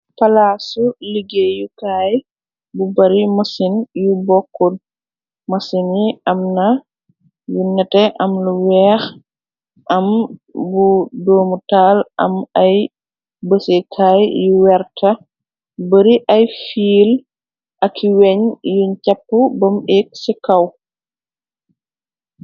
Palaasu liggée yu kaay bu bari mësin yu bokk mësin yi am na yu nete am lu weex am bu doomu taal am ay bësé kaay yu werta bari ay fiil ak weñ yuñ capp bam ci kaw.